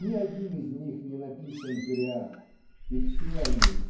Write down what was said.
Ни один из них не написан зря и все они